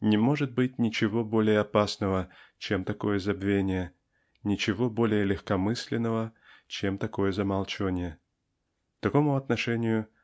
Не может быть ничего более опасного чем такое забвение ничего более легкомысленного чем такое замалчивание. Такому отношению